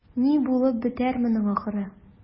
Ни булып бетәр моның ахыры?